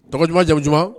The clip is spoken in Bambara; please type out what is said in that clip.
Dɔgɔ duman jamu dumanuma